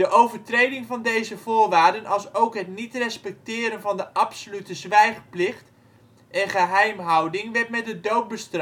overtreding van deze voorwaarden alsook het niet respecteren van de absolute zwijgplicht en geheimhouding werd met de dood bestraft. De Ku Klux Klan